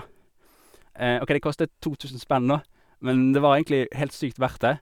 OK, det kostet to tusen spenn, da, men det var egentlig helt sykt verdt det.